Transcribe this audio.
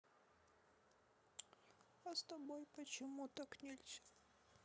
а с тобой почему так нельзя